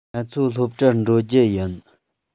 ང ཚོ སློབ གྲྭར འགྲོ རྒྱུ ཡིན